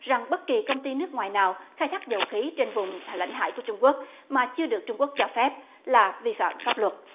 rằng bất kỳ công ty nước ngoài nào khai thác dầu khí trên vùng lãnh hải của trung quốc mà chưa được trung quốc cho phép là vi phạm pháp luật